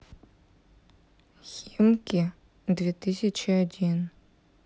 химки две тысячи один